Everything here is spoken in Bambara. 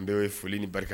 N bɛɛ foli ni barika da